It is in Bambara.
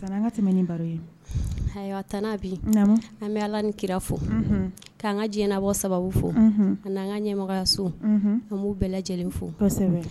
Sanii an ka tɛmɛ ni baro ye, an bɛ allah ni kira fɔ , k'an ka diɲɛbɔ sababu fɔ an'an ka ɲɛmɔgɔyaso , an b'u bɛɛ lajɛlen fo.